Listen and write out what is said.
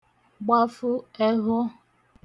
gbafụ ẹvhọ̄